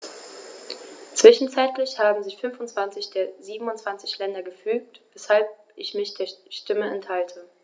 Zwischenzeitlich haben sich 25 der 27 Länder gefügt, weshalb ich mich der Stimme enthalte.